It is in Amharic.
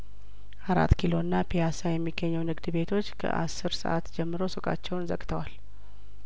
አራት ኪሎና ፒያሳ የሚገኙንግድ ቤቶች ከአስር ሰአት ጀምሮ ሱቃችውን ዘግተዋል